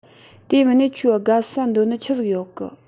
དེ མིན ནས ཁྱོའ དགའ ས འདོད ནི ཆི ཟིག ཡོད གི